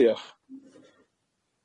Diolch.